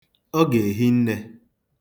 Ọ ga-ehi nne.